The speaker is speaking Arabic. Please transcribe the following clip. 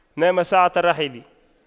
نام ساعة الرحيل